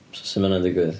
So sut ma hynna'n digwydd?